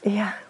Ia?